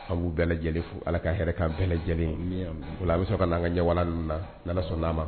An b'u bɛɛ lajɛlen fo Ala ka hɛrɛ k'a bɛɛ lajɛlen ye, amin amin, o la an bɛ sɔrɔ ka n'an ka ɲɛwalan ninnu na, n'Ala sɔnn'a ma